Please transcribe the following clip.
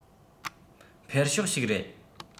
འཕེལ ཕྱོགས ཤིག རེད